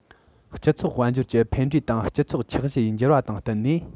སྤྱི ཚོགས དཔལ འབྱོར གྱི འཕེལ འགྲོས དང སྤྱི ཚོགས ཆགས གཞི ཡི འགྱུར བ དང བསྟུན ནས